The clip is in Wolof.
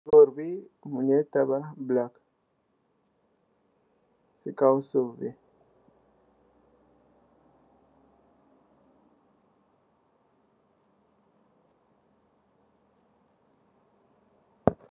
Gorr bi mougui tabahk boulock ci kaw souf wi.